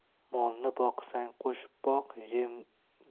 molni boqsang qo'shib boq